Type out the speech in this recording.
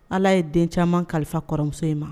Ala ye den caman kalifa kɔrɔmuso in ma